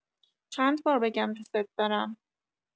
چندبار بگم دوست دارم؟